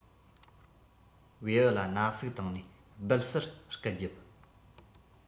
བེའུ ལ ན ཟུག བཏང ནས སྦད ཟེར སྐད རྒྱབ